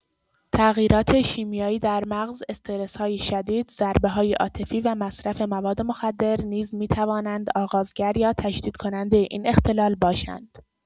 تغییرات شیمیایی در مغز، استرس‌های شدید، ضربه‌های عاطفی و مصرف مواد مخدر نیز می‌توانند آغازگر یا تشدیدکننده این اختلال باشند.